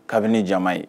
Kabini jama ye